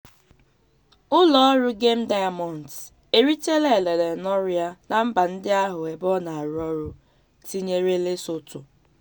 Ụlọ ọrụ Gem Diamonds eritala elele n'ọrụ ya na mba ndị ahụ ebe ọ na-arụ ọrụ, tinyere Lesotho.